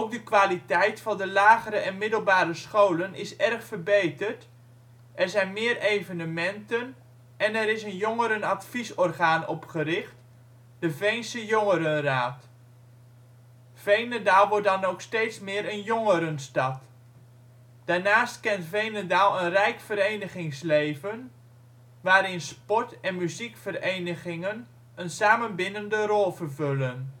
de kwaliteit van de lagere en middelbare scholen is erg verbeterd, er zijn meer evenementen, en er is een jongerenadviesorgaan opgericht, de Veense Jongerenraad. Veenendaal wordt dan ook een steeds meer een jongerenstad. Daarnaast kent Veenendaal een rijk verenigingsleven, waarin sport - en muziekverenigingen een samenbindende rol vervullen. Ook